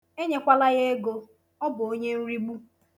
Enyekwala ya ego, ọ bụ onyenrigbu